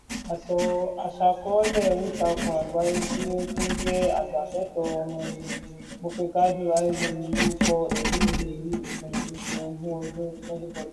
Aṣàkọọ́lẹ̀ oríìtakùn àgbáyé tí ó tún jẹ́ ajàfẹ́tọ̀ọ́ ọmọnìyàn Befeqadu Hailu ni ó kọ ẹ̀rí yìí ní òpin oṣù Ògún ọdún 2014.